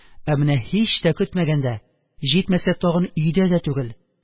Ә менә һич тә көтмәгәндә, җитмәсә тагын, өйгә дә түгел,